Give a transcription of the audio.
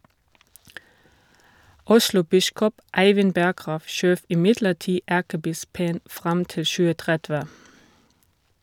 Oslobiskop Eivind Berggrav skjøv imidlertid erkebispen fram til 2030.